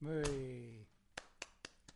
Way!